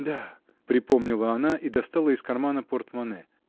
— Да, — припомнила она и достала из кармана портмоне.